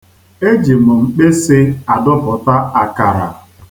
E ji m mkpịsị adụpụta akara.